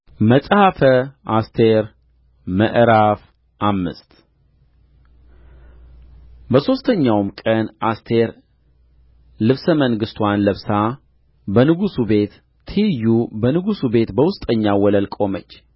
መጽሐፈ አስቴር ምዕራፍ አምስት በሦስተኛውም ቀን አስቴር ልብሰ መንግሥትዋን ለብሳ በንጉሡ ቤት ትይዩ በንጉሡ ቤት በውስጠኛው ወለል ቆመች